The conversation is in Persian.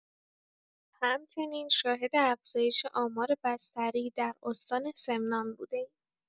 همچنین شاهد افزایش آمار بستری در استان سمنان بوده‌ایم.